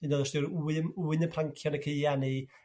hy' 'n oe' os 'di'r wym wyn yn prancio yn y caea' neu